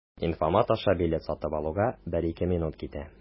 Инфомат аша билет сатып алуга 1-2 минут китә.